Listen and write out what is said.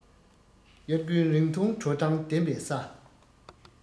དབྱར དགུན རིང ཐུང དྲོ གྲང ལྡན པའི ས